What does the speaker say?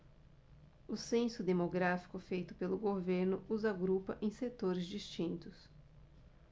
o censo demográfico feito pelo governo os agrupa em setores distintos